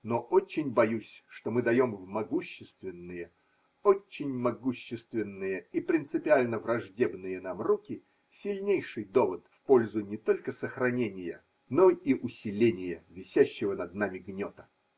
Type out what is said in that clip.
Но очень боюсь, что мы даем в могущественные, очень могущественные и принципиально враждебные нам руки сильнейший довод в пользу не только сохранения, но и усиления висящего над нами Гнета.